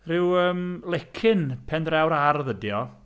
Rhyw yym lecyn pen draw'r ardd, ydy o?